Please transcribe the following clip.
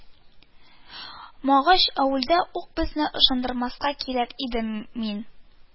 Магач, әүвәлдә үк безне ышандырмаска кирәк иде, мин